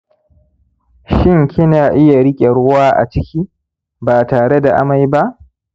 shin kina iya riƙe ruwa a ciki ba tare da amai ba